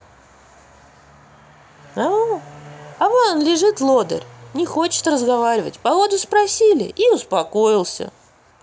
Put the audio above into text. а вон он лежит лодырь не хочет разговаривать погоду спросили и успокоился